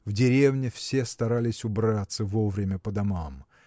В деревне все старались убраться вовремя по домам.